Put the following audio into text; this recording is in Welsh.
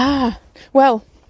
A! Wel,